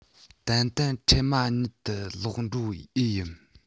ཏན ཏན འཕྲལ མ ཉིད དུ ལོག འགྲོ ཡི ཡིན